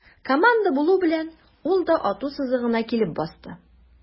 Команда булу белән, ул да ату сызыгына килеп басты.